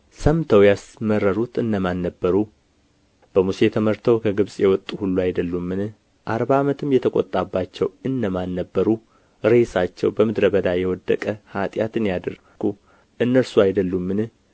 ሰምተው ያስመረሩት እነማን ነበሩ በሙሴ ተመርተው ከግብጽ የወጡ ሁሉ አይደሉምን አርባ አመትም የተቆጣባቸው እነማን ነበሩ ሬሳቸው በምድረ በዳ የወደቀ ኃጢአትን ያደረጉት እነርሱ አይደሉምን